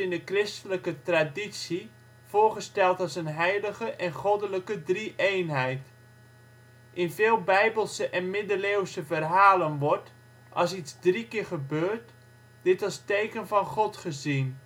de christelijke traditie voorgesteld als een Heilige en Goddelijke drie-eenheid In veel bijbelse en middeleeuwse verhalen wordt, als iets drie keer gebeurt, dit als teken van God gezien